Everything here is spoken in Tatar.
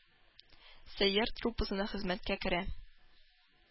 «сәйяр» труппасына хезмәткә керә.